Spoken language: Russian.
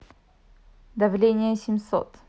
давление семьсот